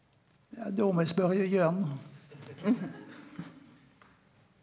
ja då må eg spørje Jørn.